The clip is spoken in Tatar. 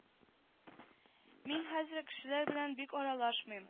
Мин хәзер кешеләр белән бик аралашмыйм